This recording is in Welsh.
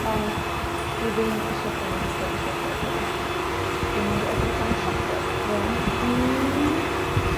Ond, dwi ddim isho prynu bisgedi siocled heddiw. Dwi'n mynd i edrych am y siocled rŵan i